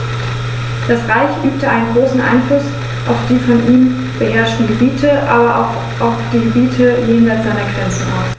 Das Reich übte einen großen Einfluss auf die von ihm beherrschten Gebiete, aber auch auf die Gebiete jenseits seiner Grenzen aus.